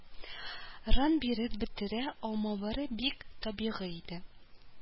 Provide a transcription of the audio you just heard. Рын биреп бетерә алмаулары бик табигый иде